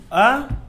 An!